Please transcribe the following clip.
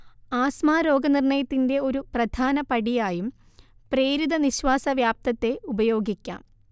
asthma രോഗനിർണയത്തിന്റെ ഒരു പ്രധാന പടിയായും പ്രേരിത നിശ്വാസ വ്യാപ്തത്തെ ഉപയോഗിക്കാം